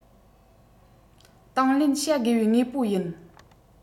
དང ལེན བྱ དགོས པའི དངོས པོ ཡིན